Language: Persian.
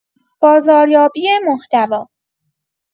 بازاریابی محتوا